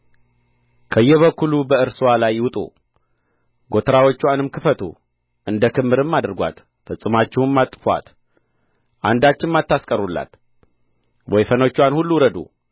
ከየበኩሉ በእርስዋ ላይ ውጡ ጎተራዎችዋንም ክፈቱ እንደ ክምርም አድርጓት ፈጽማችሁም አጥፉአት አንዳችም አታስቀሩላት ወይፈኖችዋን ሁሉ እረዱ